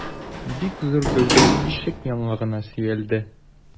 Бик зур гәүдә ишек яңагына сөялде.